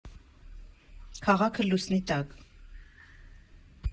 Քաղաքը լուսնի տակ։